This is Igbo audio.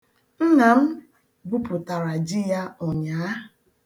Nna m gwupụtara ji ya ụnyaa.